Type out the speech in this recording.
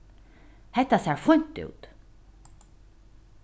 hetta sær fínt út